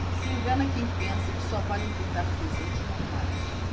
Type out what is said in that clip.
se engana quem pensa que só vale enfeitar presentes normais